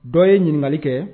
Dɔ ye ɲininkali kɛ